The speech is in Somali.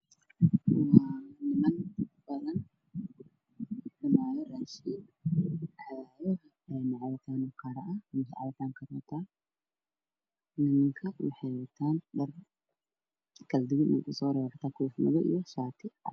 Waxaa ii muuqda niman fadhiya makhaayad oo cunteynaya waxaa ag yaalla biyo gaduudan iyo wateer cad waxa ayna wataan dhar kala duwan sida shaarar khamiis iyo shaar iyo koofi